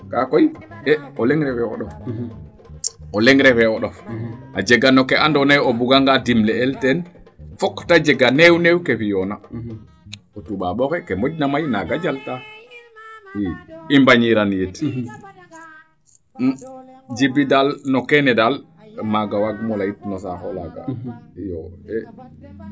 kaa koy o leŋ refo o ɗof o leŋ refee o ɗof a jega no ke ando naye o buga nga dimle el teen fook te jeg a neew neew ke fiyoona o toubab oxe kaa moƴna may naaga jaltaa i mbañiran yit Djiby no keene daal maaga waag mo leyit no saaxo laaga iyo